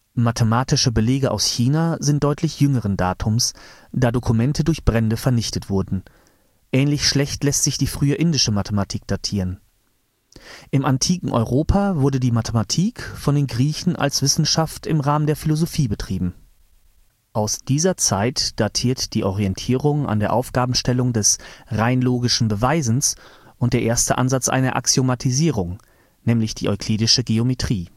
Mathematische Belege aus China sind deutlich jüngeren Datums, da Dokumente durch Brände vernichtet wurden, ähnlich schlecht lässt sich die frühe indische Mathematik datieren. Im antiken Europa wurde die Mathematik von den Griechen als Wissenschaft im Rahmen der Philosophie betrieben. Aus dieser Zeit datiert die Orientierung an der Aufgabenstellung des „ rein logischen Beweisens “und der erste Ansatz einer Axiomatisierung, nämlich die euklidische Geometrie